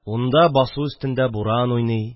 Унда – басу өстендә буран уйный